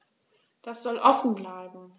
Das soll offen bleiben.